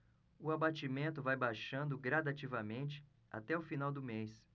o abatimento vai baixando gradativamente até o final do mês